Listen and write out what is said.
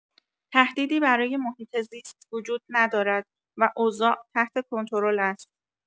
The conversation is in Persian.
تهدیدی برای محیط‌زیست وجود ندارد و اوضاع تحت کنترل است.